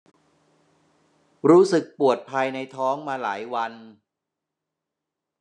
รู้สึกปวดภายในท้องมาหลายวัน